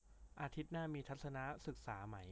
อาทิตย์หน้ามีทัศนศึกษามั้ย